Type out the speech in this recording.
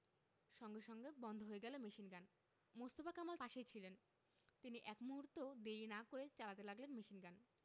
সঙ্গে সঙ্গে বন্ধ হয়ে গেল মেশিনগান মোস্তফা কামাল পাশেই ছিলেন তিনি এক মুহূর্তও দেরি না করে চালাতে লাগলেন মেশিনগান